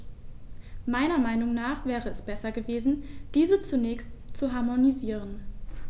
Meiner Meinung nach wäre es besser gewesen, diese zunächst zu harmonisieren.